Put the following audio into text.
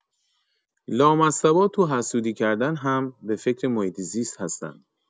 لامصبا تو حسودی کردن هم به فکر محیط‌زیست هستن.